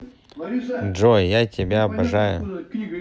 джой я тебя обожаю